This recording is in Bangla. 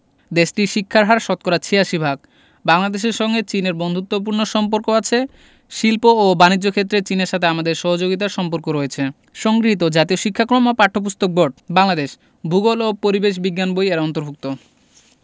দেশটির শিক্ষার হার শতকরা ৮৬ ভাগ বাংলাদেশের সঙ্গে চীনের বন্ধুত্বপূর্ণ সম্পর্ক আছে শিল্প ও বানিজ্য ক্ষেত্রে চীনের সাথে আমাদের সহযোগিতার সম্পর্কও রয়েছে সংগৃহীত জাতীয় শিক্ষাক্রম ও পাঠ্যপুস্তক বোর্ড বাংলাদেশ ভূগোল ও পরিবেশ বিজ্ঞান বই এর অন্তর্ভুক্ত